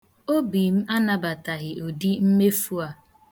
Obi m anabataghị udi mmefu a.